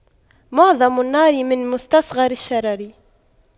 معظم النار من مستصغر الشرر